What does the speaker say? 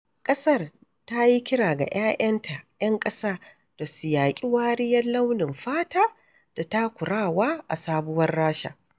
ƙasar ta yi kira ga 'ya'yanta ('yan ƙasa) da su yaƙi wariyar launin fata da takurawa a sabuwar Rasha.